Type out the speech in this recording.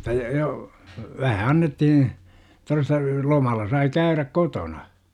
jotta - jo vähän annettiin todesta lomalla sai käydä kotona